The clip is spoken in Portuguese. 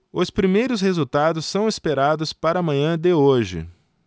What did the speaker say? os primeiros resultados são esperados para a manhã de hoje